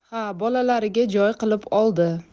ha bolalariga joy qilib oldi